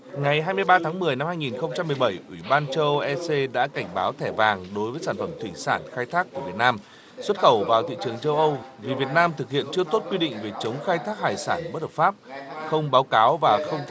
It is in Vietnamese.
ngày hai mươi ba tháng mười năm hai nghìn không trăm mười bảy ủy ban châu âu e xê đã cảnh báo thẻ vàng đối với sản phẩm thủy sản khai thác của việt nam xuất khẩu vào thị trường châu âu việt nam thực hiện chưa tốt quy định về chống khai thác hải sản bất hợp pháp không báo cáo và không theo